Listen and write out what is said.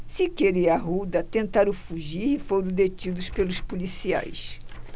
siqueira e arruda tentaram fugir e foram detidos pelos policiais